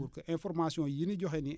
pour que information yi nu joxe nii